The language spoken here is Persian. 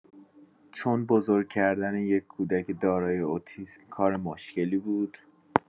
چون بزرگ کردن یک کودک دارای اوتیسم کار مشکلی بود؟!